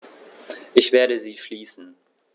Ich werde sie schließen.